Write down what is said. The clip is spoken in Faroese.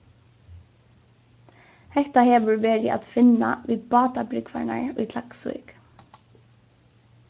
hetta hevur verið at finna við bátabrúgvarnar í klaksvík